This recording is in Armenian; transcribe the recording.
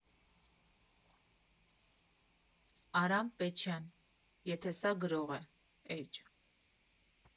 Արամ Պաչյան «Եթե սա գրող է», Էջ։